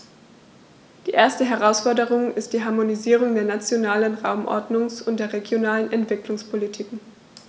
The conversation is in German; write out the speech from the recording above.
Die erste Herausforderung ist die Harmonisierung der nationalen Raumordnungs- und der regionalen Entwicklungspolitiken.